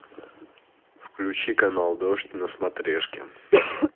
включи канал дождь на смотрешке